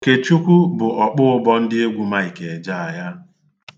Okechukwu bu ọkpọ ụbọ ndị egwu Mike Ejeagha